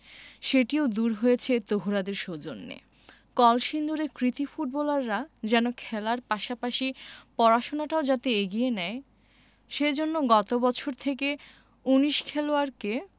সেটিও দূর হয়েছে তহুরাদের সৌজন্যে কলসিন্দুরের কৃতী ফুটবলাররা যেন খেলার পাশাপাশি পড়াশোনাটাও যাতে এগিয়ে নেয় সে জন্য গত বছর থেকে ১৯ খেলোয়াড়কে